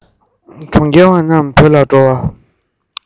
གྲོང ཁྱེར བ རྣམས བོད ལ འགྲོ བ